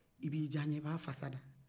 i b'i diyaɲabaa fasa da